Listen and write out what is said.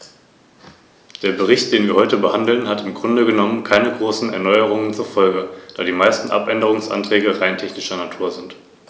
Daher hat die italienische Delegation der Demokratischen Partei beschlossen, sich der Stimme zu enthalten.